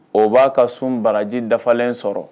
O b'a ka sun baraji dafalen sɔrɔ